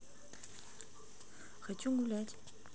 хочу гулять